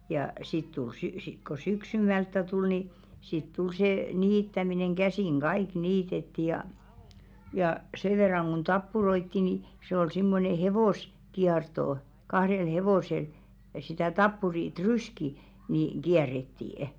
ja sitten tuli - sitten kun syksymmältä tuli niin sitten tuli se niittäminen käsin kaikki niitettiin ja ja sen verran kuin tappuroi niin se oli semmoinen - hevoskierto kahdella hevosella ja sitä tappurin tryskiä niin kierrettiin